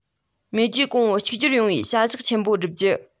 མེས རྒྱལ གོང བུ གཅིག གྱུར ཡོང བའི བྱ གཞག ཆེན པོ བསྒྲུབ རྒྱུ